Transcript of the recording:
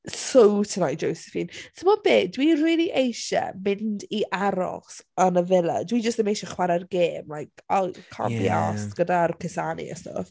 So tonight Josephine. Timod be dwi rili eisiau mynd i aros yn y villa dwi jyst ddim eisiau chwarae'r gem like I can't be arsed... ie ...gyda'r cusanu a stwff.